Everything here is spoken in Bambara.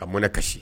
Ka mɔnɛ kasi